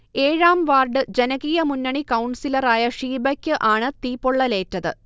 ഏഴാം വാർഡ് ജനകീയ മുന്നണി കൗൺസിലറായ ഷീബക്ക് ആണ് തീപൊള്ളലേറ്റത്